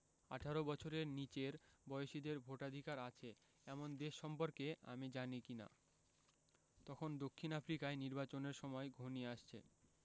১৮ বছরের নিচের বয়সীদের ভোটাধিকার আছে এমন দেশ সম্পর্কে আমি জানি কি না তখন দক্ষিণ আফ্রিকায় নির্বাচনের সময় ঘনিয়ে আসছে